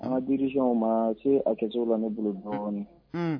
An bisɔn o ma se a kɛso la ne bolo dɔɔninɔni